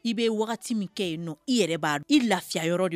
I bɛ wagati min kɛ yen, i yɛrɛ b'a dɔn ,i lafiya yɔrɔ de don.